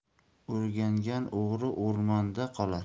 o'rgangan o'g'ri o'rmonda qolar